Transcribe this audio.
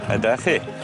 Ydach chi?